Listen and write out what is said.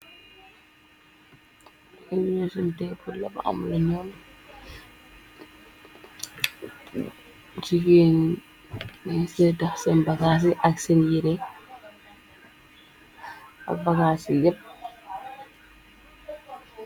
Eesanteb laba amna ñoon jigeen dansa def sen baga ksen yireak bagaa yi yepp.